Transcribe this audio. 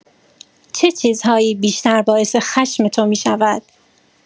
چه چیزهایی بیشتر باعث خشم تو می‌شود؟